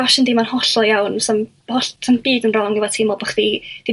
Gosh yndi ma'n hollol iawn a'n holl ti- dosa'm byd yn wrong efo teimlo bo' chdi